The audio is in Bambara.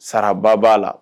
Sara ba b'a la